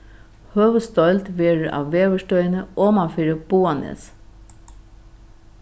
høvuðsdeild verður á veðurstøðini omanfyri boðanes